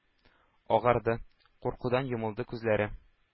Агарды; куркудан йомылды күзләре.